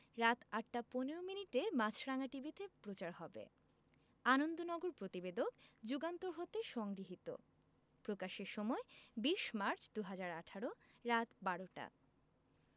রাত ৮টা ১৫ মিনিটে মাছরাঙা টিভিতে প্রচার হবে আনন্দনগর প্রতিবেদক যুগান্তর হতে সংগৃহীত প্রকাশের সময় ২০মার্চ ২০১৮ রাত ১২:০০ টা